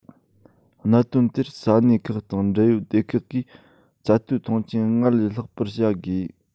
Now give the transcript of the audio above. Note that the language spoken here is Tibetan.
གནད དོན དེར ས གནས ཁག དང འབྲེལ ཡོད སྡེ ཁག གིས ཚད མཐོའི མཐོང ཆེན སྔར ལས ལྷག པར བྱ དགོས